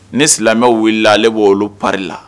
Ni silamɛw wulila ale b' olu part la.